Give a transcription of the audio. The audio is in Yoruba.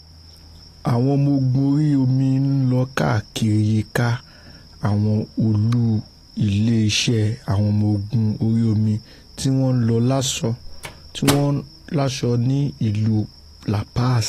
Àwọn ọmọ ogun orí-omi ńlọ káàkiri yíka àwọn olú ilé iṣẹ àwọn ọmọ ogun orí-omi tíwọn wọ̀ lásọ ní ìlú La Paz.